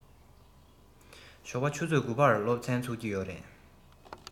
ཞོགས པ ཆུ ཚོད དགུ པར སློབ ཚན ཚུགས ཀྱི ཡོད རེད